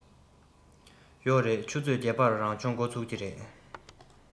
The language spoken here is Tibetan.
ཡོད རེད ཆུ ཚོད བརྒྱད པར རང སྦྱོང འགོ ཚུགས ཀྱི རེད